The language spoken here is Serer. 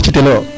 kaa ci'telooyo.